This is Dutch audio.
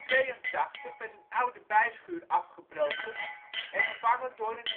1982 werd een oude bijschuur afgebroken en vervangen door